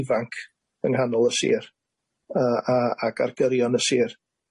ifanc yng nghanol y sir yy a ag ar gyrion y sir,